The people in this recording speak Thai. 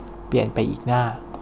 เปลี่ยนไปอีกหน้า